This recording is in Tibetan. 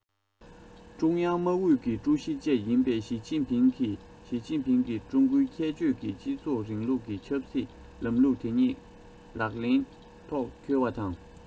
ཀྲུང དབྱང དམག ཨུད ཀྱི ཀྲུའུ ཞི བཅས ཡིན པའི ཞིས ཅིན ཕིང གིས ཞིས ཅིན ཕིང གིས ཀྲུང གོའི ཁྱད ཆོས ཀྱི སྤྱི ཚོགས རིང ལུགས ཀྱི ཆབ སྲིད ལམ ལུགས དེ ཉིད ལག ལེན ཐོག འཁྱོལ བ དང